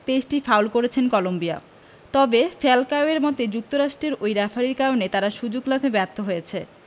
২৩টি ফাউল করেছে কলম্বিয়া তবে ফ্যালকাওয়ের মতে যুক্তরাষ্ট্রের ওই রেফারির কারণে তারা সুযোগ লাভে ব্যথ্য হয়েছে